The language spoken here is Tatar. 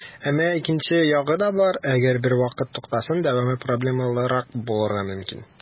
Әмма икенче ягы да бар - әгәр бервакыт туктасаң, дәвамы проблемалырак булырга мөмкин.